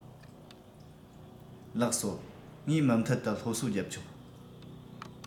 ལགས སོ ངས མུ མཐུད དུ སློབ གསོ རྒྱབ ཆོག